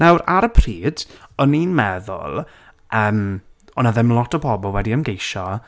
Nawr ar y pryd, o'n i'n meddwl yym, o' 'na ddim lot o bobl wedi ymgeisio.